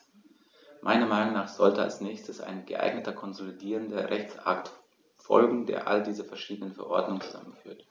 Meiner Meinung nach sollte als nächstes ein geeigneter konsolidierender Rechtsakt folgen, der all diese verschiedenen Verordnungen zusammenführt.